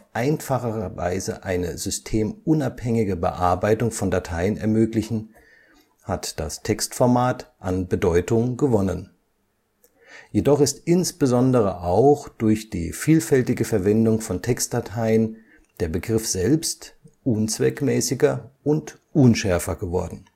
einfachere Weise eine systemunabhängige Bearbeitung von Dateien ermöglichen, hat das Textformat an Bedeutung gewonnen. Jedoch ist insbesondere auch durch die vielfältige Verwendung von Textdateien der Begriff selbst unzweckmäßiger und unschärfer geworden